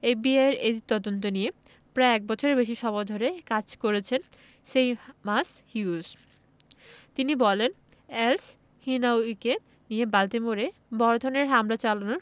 এফবিআইয়ের এই তদন্ত নিয়ে প্রায় এক বছরের বেশি সময় ধরে কাজ করেছেন সেইমাস হিউজ তিনি বলেন এলসহিনাউয়িকে দিয়ে বাল্টিমোরে বড় ধরনের হামলা চালানোর